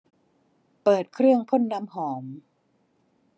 เปิดเครื่องพ่นน้ำหอม